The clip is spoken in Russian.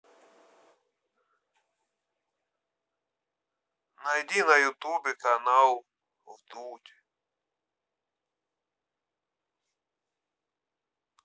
найди на ютубе канал вдудь